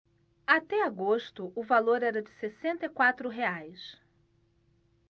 até agosto o valor era de sessenta e quatro reais